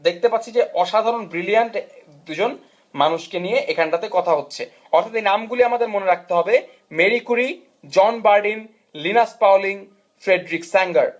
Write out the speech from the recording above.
দেখতে পাচ্ছি যে অসাধারণ ব্রিলিয়ান্ট দুইজন মানুষ কে নিয়ে এখান টাতে কথা হচ্ছে অর্থাৎ এই নামগুলো আমাদের মনে রাখতে হবে Marie Curie John Bardeen Linus Pauling Frederick Sanger